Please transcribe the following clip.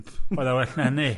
Oedd o'n well na hynny.